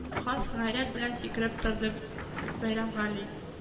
Хас гайрәт белән сикереп торды бәйрәмгали